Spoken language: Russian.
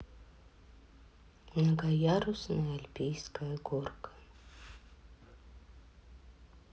многоярусная альпийская горка